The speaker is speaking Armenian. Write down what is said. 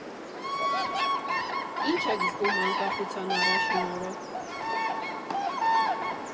Ի՞նչ եք զգում անկախության առաջին օրը։